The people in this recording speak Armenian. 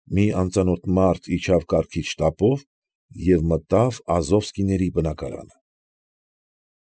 Մի անծանոթ մարդ իջավ կառքից շտապով և մտավ Ազովսկիների բնակարանը։